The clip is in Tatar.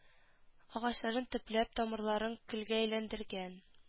Агачларын төпләп тамырларын көлгә әйләндергән